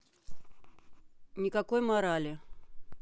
никакой морали